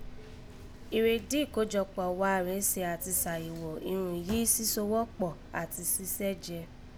Ìrèdí ìkójọkpọ̀ wa rèé se àti sàyẹ̀ghò irun yìí sísowọ́kpọ̀ àti sisẹ́ jẹ́